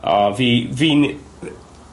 O fi fi'n i- yy